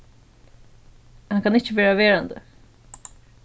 hann kann ikki verða verandi